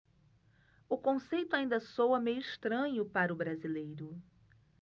o conceito ainda soa meio estranho para o brasileiro